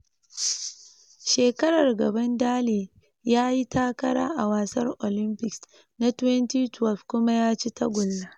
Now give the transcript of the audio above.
Shekarar gaban Daley ya yi takara a wasar Olympics na 2012 kuma ya ci tagulla.